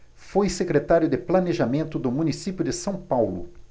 foi secretário de planejamento do município de são paulo